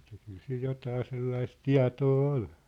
että kyllä sillä jotakin sellaista tietoa oli